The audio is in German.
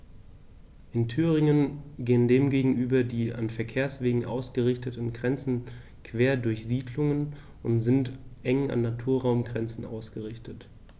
In Thüringen gehen dem gegenüber die an Verkehrswegen ausgerichteten Grenzen quer durch Siedlungen und sind eng an Naturraumgrenzen ausgerichtet.